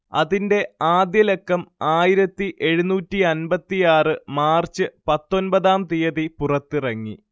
അതിന്റെ ആദ്യലക്കം ആയിരത്തിയെഴുന്നൂറ്റിയൻപത്തിയാറ് മാർച്ച് പത്തൊൻപതാം തീയതി പുറത്തിറങ്ങി